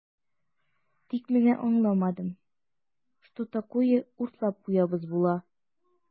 Тик менә аңламадым, что такое "уртлап куябыз" була?